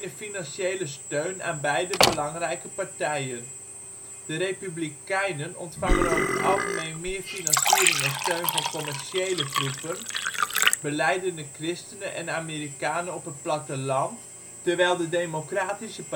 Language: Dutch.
financiële steun aan beide belangrijke partijen. De republikeinen ontvangen over het algemeen meer financiering en steunen van commerciële groepen, godsdienstige christenen, en Amerikanen op het platteland, terwijl de Democratische